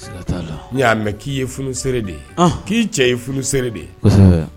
Mɛ k'i ye fsɛere de ye k'i cɛ ye fsɛere de ye